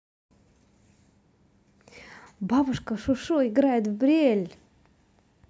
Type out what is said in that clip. бабушка шошо играет в brielle